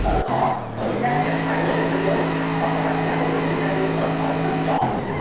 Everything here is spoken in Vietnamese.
rất khó bởi vì các nhà xuất bản lớn trên thế giới hoặc là các tác giả nổi tiếng việt nam nhưng họ vẫn thích chọn những